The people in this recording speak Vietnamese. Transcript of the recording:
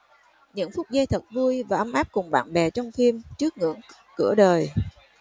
những phút giây thật vui và ấp áp cùng bạn bè trong phim trước ngưỡng cửa đời